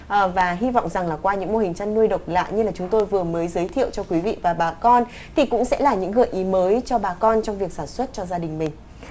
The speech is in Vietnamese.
ờ và hy vọng rằng qua những mô hình chăn nuôi độc lạ như chúng tôi vừa mới giới thiệu cho quý vị và bà con thì cũng sẽ là những gợi ý mới cho bà con trong việc sản xuất cho gia đình mình